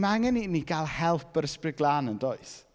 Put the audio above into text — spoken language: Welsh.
Ma' angen i ni gael help yr Ysbryd Glân yn does.